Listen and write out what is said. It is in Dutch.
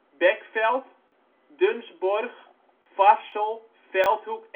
Bekveld Dunsborg Varssel Veldhoek